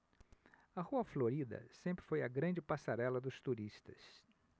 a rua florida sempre foi a grande passarela dos turistas